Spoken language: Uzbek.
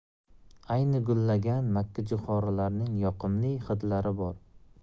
ayni gullagan makkajo'xorilarning yoqimli hidlari bor